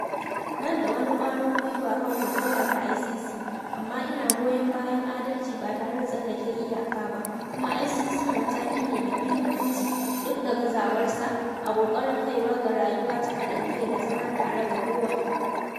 Ban da wani ƙwarin gwiwa kan hukumar ta ICC, amma ina goyon bayan adalci ba tare da tsallake iyaka ba, kuma ICC mataki ne mai muhimmanci (duk da gazawar sa) a ƙoƙarin kaiwa ga rayuwa ta haɗin kai da zama tare ga kowa.